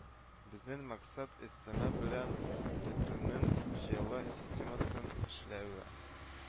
Безнең максат өстәмә белем бетерүнең җаяла системасын эшләү